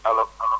allo